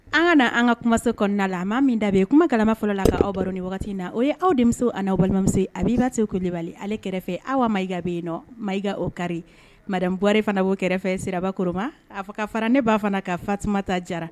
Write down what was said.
An ka na an ka kumaso kɔnɔna, maa min da bɛ kuma kalama fɔlɔ la k'aw baro ni wagati in na o y'aw denmuso ani aw balimamuso Abibatu Kulibali ale kɛrɛfɛ Awa Mɛyiga bɛ yen nɔ, Mɛyiga au carré madame Buhare fana b'o kɛrɛfɛ Siraba Koroma ka fara ne ba fana kan Fatuma Jara.